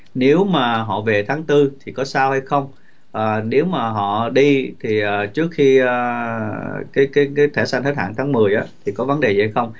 nếu mà họ về tháng tư thì có sao hay không à nếu mà họ đi thì trước khi ờ cái cái cái thẻ xanh hết hạn tháng mười á thì có vấn đề gì hay không